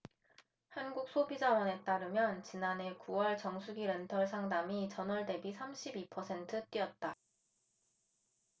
한국소비자원에 따르면 지난해 구 월 정수기렌털 상담이 전월대비 삼십 이 퍼센트 뛰었다